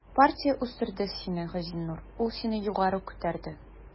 Партия үстерде сине, Газинур, ул сине югары күтәрде.